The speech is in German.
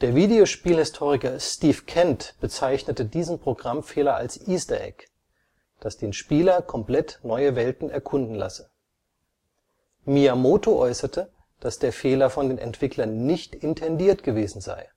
Videospielhistoriker Steve L. Kent bezeichnete diesen Programmfehler als Easter Egg, das den Spieler komplett neue Welten erkunden lasse. Miyamoto äußerte, dass der Fehler von den Entwicklern nicht intendiert gewesen sei